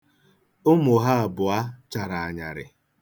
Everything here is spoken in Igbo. Ụmụ ya abụọ chara anyarị.